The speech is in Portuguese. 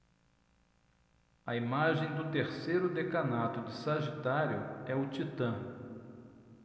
a imagem do terceiro decanato de sagitário é o titã